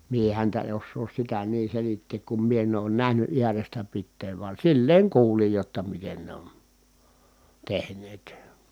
minä häntä en osaa sitä niin selittää kun minä en ole nähnyt äärestä pitäen vaan silleen kuulin jotta miten ne on tehneet